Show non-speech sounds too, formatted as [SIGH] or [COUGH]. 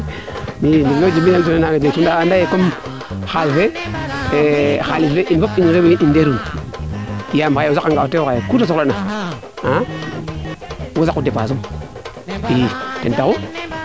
i [UNINTELLIGIBLE] nda ande comme xaal fee xalis fe in fop in njalun yaam o saqa nga o tew xaye kuuute soxla na wo saqu depense um i ten taxu